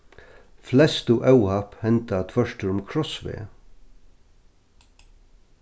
flestu óhapp henda tvørtur um krossveg